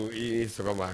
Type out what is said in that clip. I ye saba